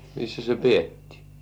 missä se pidettiin